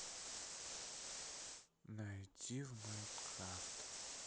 найди в майнкрафт